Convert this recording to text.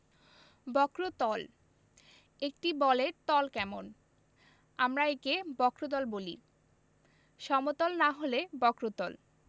বক্রতলঃ একটি বলের তল কেমন আমরা একে বক্রতল বলি সমতল না হলে বক্রতল